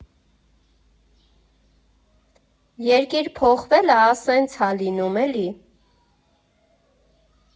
Երկիր փոխվելը ա սենց ա լինում էլի։